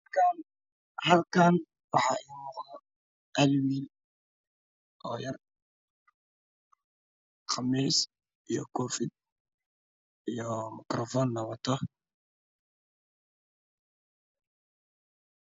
Waxaa ii muuqda wiil yar oo wata khamiis caddaan koofi macroofan madow ah